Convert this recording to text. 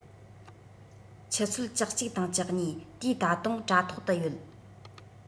ཆུ ཚོད བཅུ གཅིག དང བཅུ གཉིས དུས ད དུང དྲ ཐོག ཏུ ཡོད